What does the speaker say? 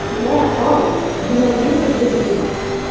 Мә, ал, менә мин ул дөндек!